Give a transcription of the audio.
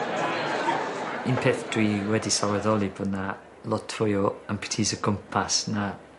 Un peth dwi wedi sylweddoli bo' 'na lot fwy o amputees o gwmpas na